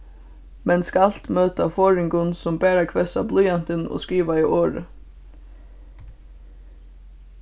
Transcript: men skalt møta forðingum sum bara hvessa blýantin og skrivaða orðið